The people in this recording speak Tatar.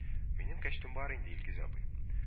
Минем кәчтүм бар инде, Илгиз абый